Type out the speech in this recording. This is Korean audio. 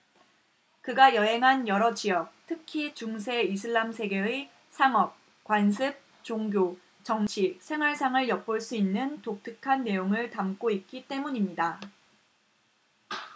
그가 여행한 여러 지역 특히 중세 이슬람 세계의 상업 관습 종교 정치 생활상을 엿볼 수 있는 독특한 내용을 담고 있기 때문입니다